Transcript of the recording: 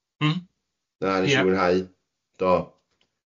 Mm... Na, nes i mwynhau. Do.